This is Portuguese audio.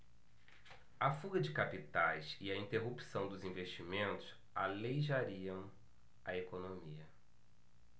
a fuga de capitais e a interrupção dos investimentos aleijariam a economia